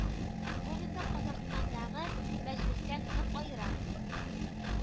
Бу безне Казахстандагы Мәҗлестән нык аера